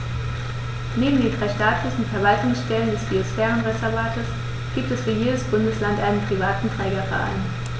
Neben den drei staatlichen Verwaltungsstellen des Biosphärenreservates gibt es für jedes Bundesland einen privaten Trägerverein.